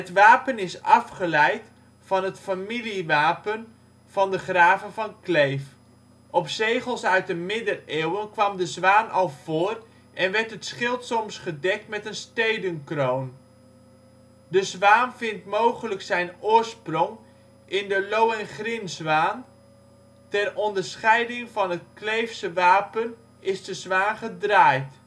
wapen is afgeleid van het familiewapen van de graven van Kleef. Op zegels uit de middeleeuwen kwam de zwaan al voor en werd het schild soms gedekt met een stedenkroon. De zwaan vindt mogelijk zijn oorsprong in de Lohengrinzwaan. Ter onderscheiding van het Kleefse wapen is de zwaan gedraaid